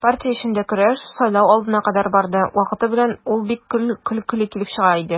Партия эчендә көрәш сайлау алдына кадәр барды, вакыты белән ул бик көлкеле килеп чыга иде.